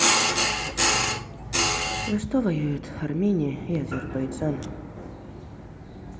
за что воюют армения и азербайджан